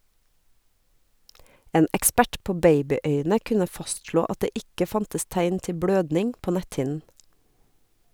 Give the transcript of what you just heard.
En ekspert på babyøyne kunne fastslå at det ikke fantes tegn til blødning på netthinnen.